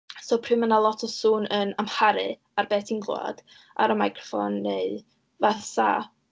So pryd ma' na lot o sŵn yn amharu ar be ti'n glywad ar y meicroffon, neu fatha...